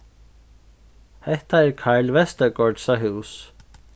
hetta er karl vestergaardsa hús